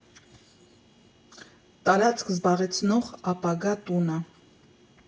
Տարածք զբաղեցնող ապագա տունը։